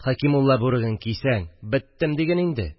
Хәкимулла бүреген кисәң – беттем диген инде